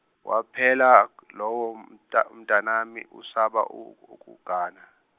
wa phela lowo mta- mtanami usaba u ukugana.